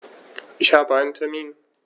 Ich habe einen Termin.